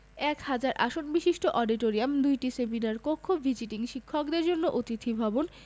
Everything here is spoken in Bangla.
এক হাজার আসনবিশিষ্ট অডিটোরিয়াম ২টি সেমিনার কক্ষ ভিজিটিং শিক্ষকদের জন্য অতিথি ভবন